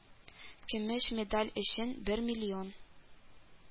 Көмеш медаль өчен бер миллион